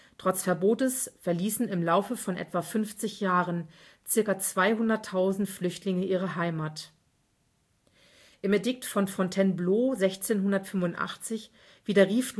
Trotz Verbotes verließen im Laufe von etwa fünfzig Jahren ca. 200.000 Flüchtlinge ihre Heimat. Im Edikt von Fontainebleau 1685 widerrief